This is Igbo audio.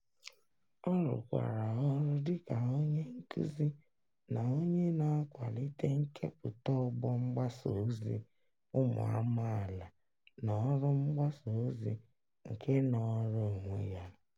Ọ rụkwara ọrụ dịka onye nkuzi na onye na-akwalite nkepụta ọgbọ mgbasa ozi ụmụ amaala na ọrụ mgbasa ozi nke nọọrọ onwe ya.